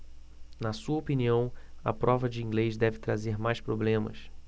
na sua opinião a prova de inglês deve trazer mais problemas